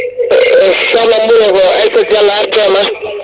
eyyi salaw Bouré ko Aissata Diallo artema